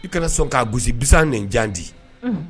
I kana sɔn k' gosi bi nijan di